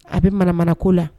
A bɛ manamana ko la.